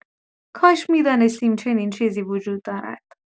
کاش می‌دانستیم چنین چیزی وجود دارد.